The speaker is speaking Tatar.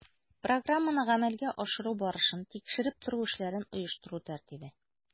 Программаны гамәлгә ашыру барышын тикшереп тору эшләрен оештыру тәртибе